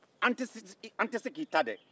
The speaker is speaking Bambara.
an tɛ se k'i ta dɛ